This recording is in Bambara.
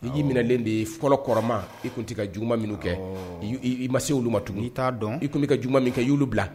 Ni y yei minɛlen de fɔlɔ kɔrɔma i tun tɛ ka juma minnu kɛ i ma se olu ma tuguni i t'a dɔn i tun bɛ ka juma min kɛ'olulu bila